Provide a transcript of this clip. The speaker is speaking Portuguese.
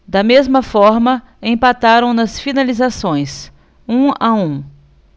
da mesma forma empataram nas finalizações um a um